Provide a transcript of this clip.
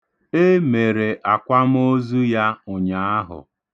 E mere akwamoozu ya ụnyaahụ.